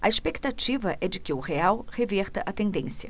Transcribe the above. a expectativa é de que o real reverta a tendência